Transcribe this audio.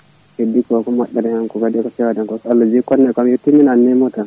ko heddi ko ko moƴƴata en ko e ko footi fewde ko ko Allah jogui ko noon kam en timminanimo tan